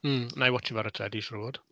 Mm wna i watsio fo ar y teledu siŵr o fod.